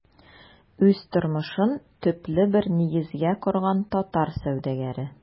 Үз тормышын төпле бер нигезгә корган татар сәүдәгәре.